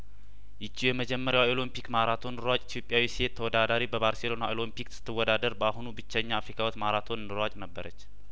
ይችው የመጀመሪያዋ የኦሎምፒክ ማራቶን ሯጭ ኢትይጵያዊ ሴት ተወዳዳሪ በባርሴሎና ኦሎምፒክ ስትወዳደር በአሁኑ ብቸኛ አፍሪካዊት ማራቶን ሯጭ ነበረች